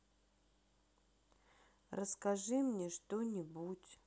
расскажи мне что нибудь